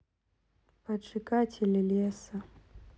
поджигатели леса